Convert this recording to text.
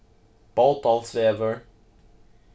bótolvsvegur